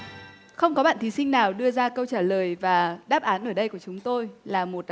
không có bạn thí sinh nào đưa ra câu trả lời và đáp án ở đây của chúng tôi là một